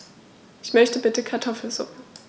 Ich möchte bitte Kartoffelsuppe.